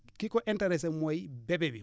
ki ko intéresser mooy bébé bi